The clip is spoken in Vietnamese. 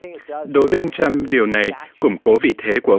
đối với ông trăm điều này củng cố vị thế của